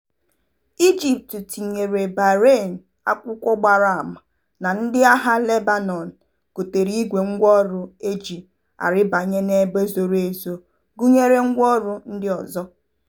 Egypt tinyere Bahrain, akwụkwọ gbara ama na ndị Agha Lebanon gotere igwe ngwaọrụ eji arịbanye n'ebe zoro ezo gụnyere ngwaọrụ ndị ọzọ.